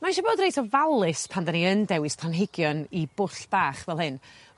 Mae isie bod reit ofalus pan 'dan ni yn dewis planhigion i bwll bach fel hyn